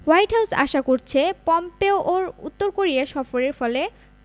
white House আশা করছে পম্পেওর উত্তর কোরিয়া সফরের ফলে